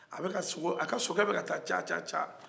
a bɛ ka so a ka sokɛ bɛ ka taa caca